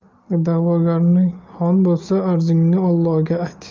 da'vogaring xon bo'lsa arzingni olloga ayt